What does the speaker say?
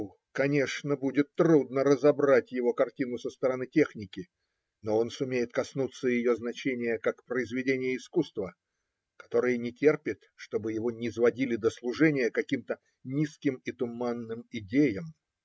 у, конечно, будет трудно разобрать его картину со стороны техники, но он сумеет коснуться ее значения как произведения искусства, которое не терпит, чтобы его низводили до служения каким-то низким и туманным идеям.